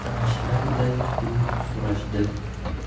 tanishlarday quyuq so'rashdi